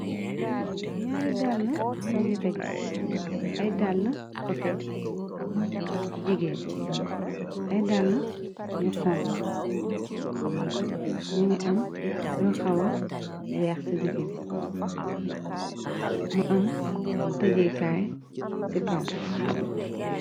Ñaari dalla ñangi tege, ay dalla kocket yu jigéen, ay dalla yu xonku. Ñangi am lu xawa weex ci digi bi, mu am tegeekaay ci kaw.